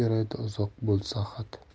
yaraydi uzoq bo'lsa xat